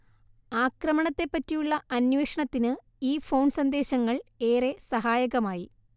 ആക്രമണത്തെപ്പറ്റിയുള്ള അന്വേഷണത്തിന് ഈ ഫോൺ സന്ദേശങ്ങൾ ഏറെ സഹായകമായി